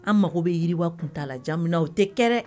An mago bɛ yiriba kun t'a la jamina o tɛ kɛ